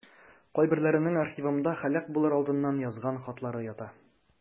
Кайберләренең архивымда һәлак булыр алдыннан язган хатлары ята.